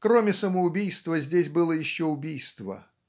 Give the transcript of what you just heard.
кроме самоубийства здесь было еще убийство